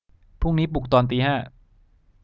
พรุ่งนี้ปลุกตอนตีห้า